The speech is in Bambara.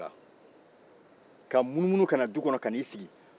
a bɔra ka munumunu ka na du kɔnɔ ka na i sigi